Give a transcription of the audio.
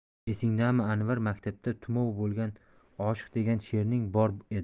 esingdami anvar maktabda tumov bo'lgan oshiq degan she'ring bor edi